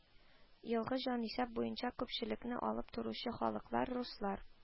Елгы җанисәп буенча күпчелекне алып торучы халыклар: руслар